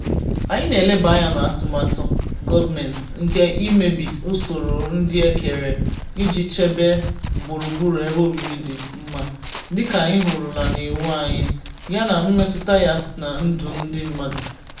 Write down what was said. Anyị na-eleba anya n'atụmatụ gọọmentị nke imebi usoro ndị e kere iji chebe gburugburu ebe obibi dị mma, dịka anyị hụrụla n'iwu anyị, ya na mmetụta ya na ndụ ndị mmadụ.